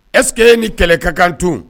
Ɛsseke ni kɛlɛ ka kan tun